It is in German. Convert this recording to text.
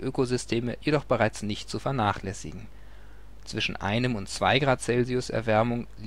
Ökosysteme jedoch bereits nicht zu vernachlässigen. Zwischen 1 °C und 2 °C Erwärmung